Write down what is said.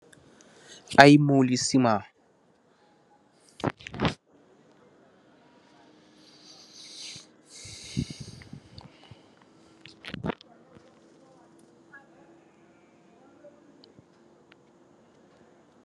Ay mooli sima